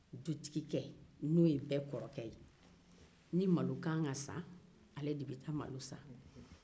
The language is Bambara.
dutigikɛ n'o ye bɛɛ kɔrɔkɛ ye ni malo k'an ka san ale de bɛ taa malo san